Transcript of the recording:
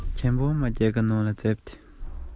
ཁྱིམ ཀྱི རྒད པོར སྤྲད